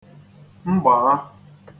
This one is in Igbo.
mbàgha